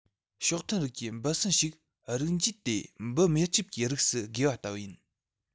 གཤོག མཐུན རིགས ཀྱི འབུ སྲིན ཞིག རིགས འབྱེད དེ འབུ མེ ལྕེབ ཀྱི རིགས སུ བགོས པ ལྟ བུ ཡིན